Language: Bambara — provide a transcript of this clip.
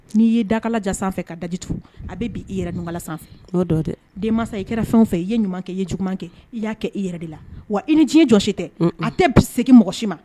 N'i ye dakala jan sanfɛ ka dajitu a bɛ bi i yɛrɛ den mansa i kɛra fɛn o fɛ i ye ɲuman kɛ ye jugu kɛ i y'a kɛ i yɛrɛ de la wa i ni diɲɛ jɔsi tɛ a tɛ segin mɔgɔ si ma